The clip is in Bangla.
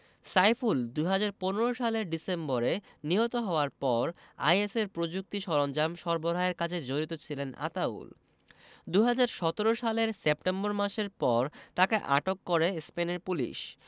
সাইফুল ২০১৫ সালের ডিসেম্বরে নিহত হওয়ার পর আইএসের প্রযুক্তি সরঞ্জাম সরবরাহের কাজে জড়িত ছিলেন আতাউল ২০১৭ সালের সেপ্টেম্বর মাসের পর তাকে আটক করে স্পেনের পুলিশ